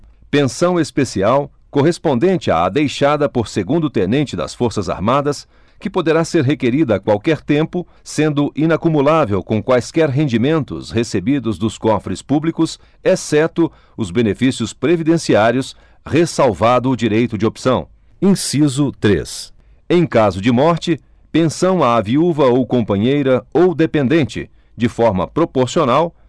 pensão especial correspondente à deixada por segundo tenente das forças armadas que poderá ser requerida a qualquer tempo sendo inacumulável com quaisquer rendimentos recebidos dos cofres públicos exceto os benefícios previdenciários ressalvado o direito de opção inciso três em caso de morte pensão à viúva ou companheira ou dependente de forma proporcional